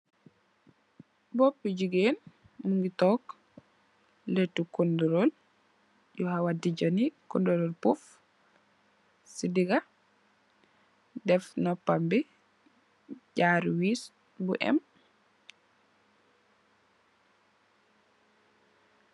Boopi jigeen mongi tog laytu konduro yu xawa dija nee konduro poff si diga deff nopam bi jaaru wess bu em.